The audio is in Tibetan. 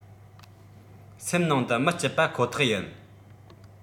སེམས ནང དུ མི སྐྱིད པ ཁོ ཐག ཡིན